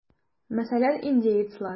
Мәсәлән, индеецлар.